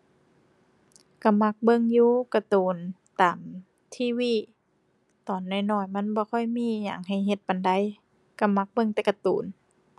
ก็มักเบิ่งอยู่การ์ตูน ตาม TV ตอนน้อยน้อยมันบ่ค่อยมีอิหยังให้เฮ็ดปานใด ก็มักเบิ่งแต่การ์ตูน